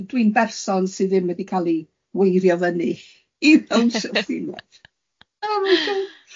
O dwi'n berson sydd ddim di cal i weirio fyny i ddawnsho llinell